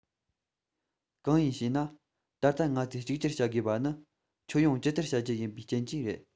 གང ཡིན ཞེ ན ད ལྟ ང ཚོས གཅིག གྱུར བྱ དགོས པ ནི ཁྱོན ཡོངས ཇི ལྟར བྱ རྒྱུ ཡིན པའི རྐྱེན གྱིས རེད